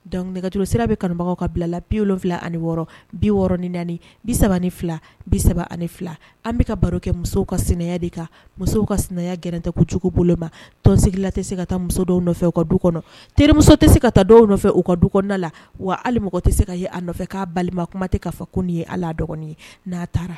Dɔnku nɛgɛkajuru sira bɛ kanubagaw ka bila la bi wolonwula ani wɔɔrɔ bi wɔɔrɔ ni naani bi ni fila bisa ani fila an bɛ ka baro kɛ musow ka sɛnɛ de kan musow ka sɛnɛ grɛn tɛ cogo bolo ma tɔnsigila tɛ se ka taa muso dɔw nɔfɛ u ka du kɔnɔ teriremuso tɛ se ka taa dɔw nɔfɛ u ka du kɔnɔda la wa ali tɛ se ka a nɔfɛ k'a bali kuma tɛ k'a fɔ ko ye ala la dɔgɔnin ye n'a taara